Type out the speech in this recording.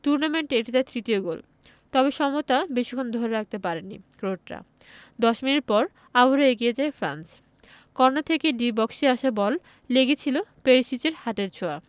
টুর্নামেন্টে এটি তার তৃতীয় গোল তবে সমতা বেশিক্ষণ ধরে রাখতে পারেনি ক্রোটরা ১০ মিনিট পর আবার এগিয়ে যায় ফ্রান্স কর্নার থেকে ডি বক্সে আসা বলে লেগেছিল পেরিসিচের হাতের ছোঁয়া